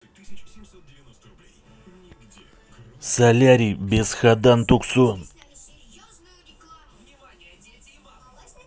солярий без ходай туксон